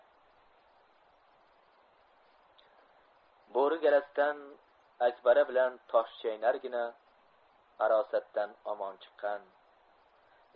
bo'ri galasidan akbara bilan toshchaynargina arosatdan omon chiqqan